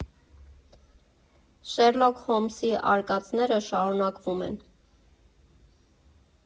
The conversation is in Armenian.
Շերլոք Հոլմսի արկածները շարունակվում են։